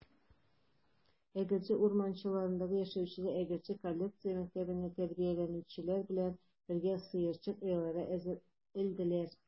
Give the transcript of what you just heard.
Әгерҗе урманчылыгында эшләүчеләр Әгерҗе коррекция мәктәбендә тәрбияләнүчеләр белән бергә сыерчык оялары элделәр.